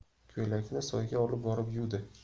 ko'ylakni soyga olib borib yuvdi